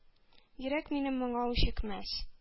Йөрәк минем моңа үчекмәс.